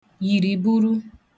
yìrìburu